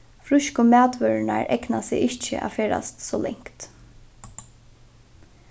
frísku matvørurnar egna seg ikki at ferðast so langt